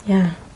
Ia.